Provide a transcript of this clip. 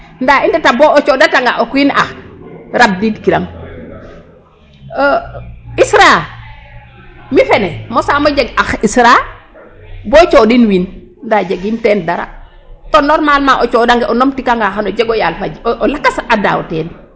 Ndaa i ɗeeta bo o cooɗatanga o kiin ax rabidkiran ISRA mi' fene mosaam o jeg ax ISRA bo cooɗin wiin ndaa jegiim teen dara to normalement o cooɗange o numti kaaga xan o jeg o yal fajo lakas a a daaw teen .